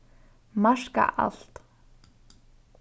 marka alt